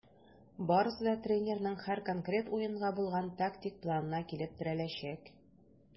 Барысы да тренерның һәр конкрет уенга булган тактик планына килеп терәләчәк.